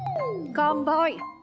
con voi